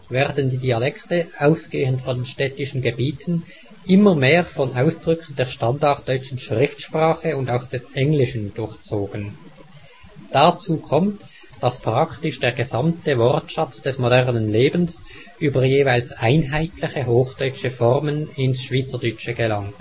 die Dialekte, ausgehend von den städtischen Gebieten, immer mehr von Ausdrücken der standarddeutschen Schriftsprache und auch des Englischen durchzogen. Dazu kommt, dass praktisch der gesamte Wortschatz des modernen Lebens über jeweils einheitliche hochdeutsche Formen ins Schwyzerdütsche gelangt